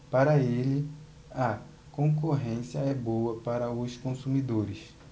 para ele a concorrência é boa para os consumidores